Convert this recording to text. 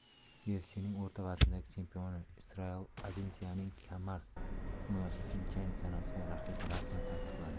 ufc'ning o'rta vazndagi chempioni israel adesanyaning kamar himoyasi uchun jang sanasi va raqibi rasman tasdiqlandi